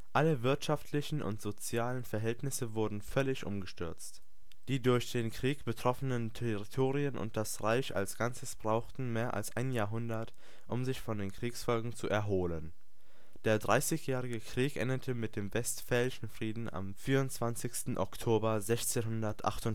Alle wirtschaftlichen und sozialen Verhältnisse wurden völlig umgestürzt. Die durch den Krieg betroffenen Territorien und das Reich als Ganzes brauchten mehr als ein Jahrhundert, um sich von den Kriegsfolgen zu erholen. Der Dreißigjährige Krieg endete mit dem Westfälischen Frieden am 24. Oktober 1648